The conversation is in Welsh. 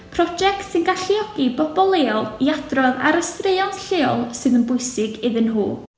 Project sy'n galluogi bobl leol i adrodd ar y straeons lleol sydd yn bwysig iddyn nhw.